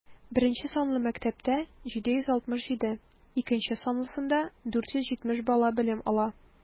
Беренче санлы мәктәптә - 767, икенче санлысында 470 бала белем ала.